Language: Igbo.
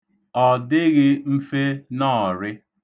Ọ dịghị mfe nọọ̀rị.